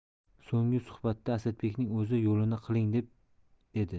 so'nggi suhbatda asadbekning o'zi yo'lini qiling deb edi